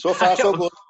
So far so good.